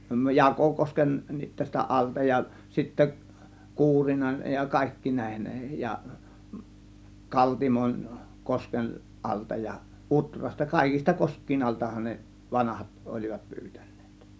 - Jakokoskenkin tästä alta ja sitten Kuurinan ja kaikkien näiden ja Kaltimon kosken alta ja Utrasta kaikista koskien altahan ne vanhat olivat pyytäneet